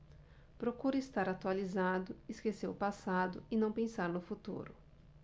procuro estar atualizado esquecer o passado e não pensar no futuro